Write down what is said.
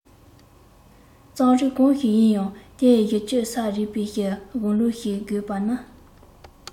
རྩོམ རིག གང ཞིག ཡིན ཡང དེའི གཞི བཅོལ ས རིག པའི གཞུང ལུགས ཤིག དགོས པ ནི